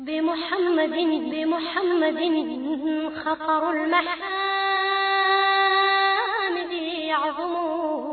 Denmudmudla yo